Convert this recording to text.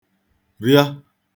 rịọ